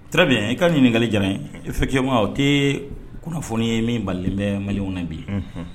Tarawelebi i kaa ɲini ka diyara ye efekekɛma o e kunnafoni ye min bali bɛ maliw na bi ye